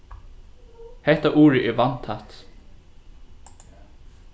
hetta urið er vatntætt